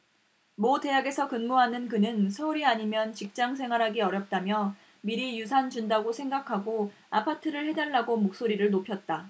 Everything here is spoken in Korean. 모 대학에서 근무하는 그는 서울이 아니면 직장생활하기 어렵다며 미리 유산 준다고 생각하고 아파트를 해 달라고 목소리를 높였다